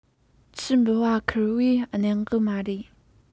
ཆུ འབུད པ ཁེར བོའི གནད འགག མ རེད